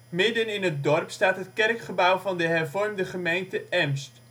Midden in het dorp staat het kerkgebouw van de Hervormde gemeente Emst